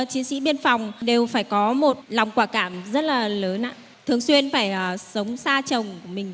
chiến sĩ biên phòng đều phải có một lòng quả cảm rất là lớn thường xuyên phải sống xa chồng mình